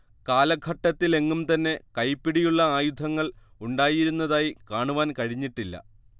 കാലഘട്ടത്തിലെങ്ങും തന്നെ കൈപിടിയുള്ള ആയുധങ്ങൾ ഉണ്ടായിരുന്നതായി കാണുവാൻ കഴിഞ്ഞിട്ടില്ല